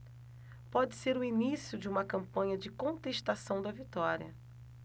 pode ser o início de uma campanha de contestação da vitória